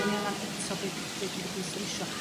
Dyn ni angan eto be dw- be dwi 'di bwysleisio.